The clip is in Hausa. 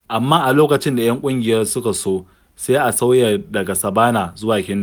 Amma a lokacin da 'yan ƙungiyar suka so, sai aka sauya daga "Saɓannah" zuwa "Kingdom"